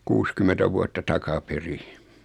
kuusikymmentä vuotta takaperin